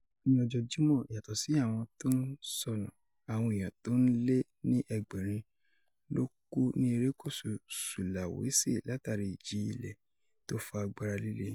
Ní ọjọ́ Jímọ̀, yàtọ̀ sí àwọn t’ọ́n sọnù, àwọn èèyàn t’ọ́n lé ní ẹgbẹ̀rin ló kú ní erékùsù Sulawesi látàrí ijì-ilẹ̀ tó fa àgbàrá líle.